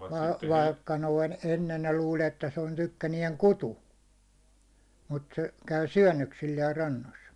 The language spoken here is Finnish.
vaikka noin ennen ne luuli että se on tykkänään kutu mutta se käy syönnöksillään rannoissa